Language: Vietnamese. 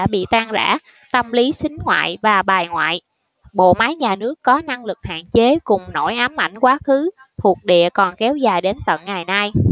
bị tan rã tâm lý sính ngoại và bài ngoại bộ máy nhà nước có năng lực hạn chế cùng nỗi ám ảnh quá khứ thuộc địa còn kéo dài đến tận ngày nay